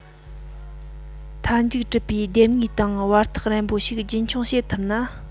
མཐར མཇུག འགྲུབ པའི ལྡེབས ངོས དང བར ཐག རན པོ ཞིག རྒྱུན འཁྱོངས བྱེད ཐུབ ན